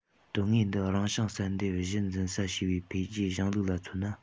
དོན དངོས འདི རང བྱུང བསལ འདེམས གཞི འཛིན ས བྱས པའི འཕེལ འགྱུར གཞུང ལུགས ལ མཚོན ན